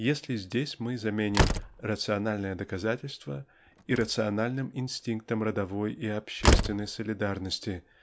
если здесь мы заменим рациональное доказательство иррациональным инстинктом родовой или общественной солидарности